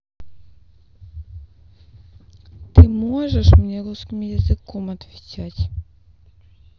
ты можешь мне русским языком отвечать